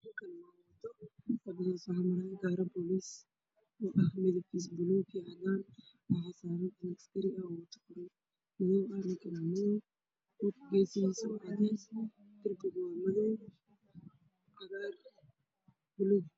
Waa waddo waxaa maraayo gaariyaal ciidan oo saaran yihiin qori shiko ah oo caddaan ah gaarayaasha